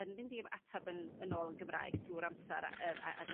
yn mynd i yym ateb yn yn ôl yn Gymraeg drwy'r amser yym ag yn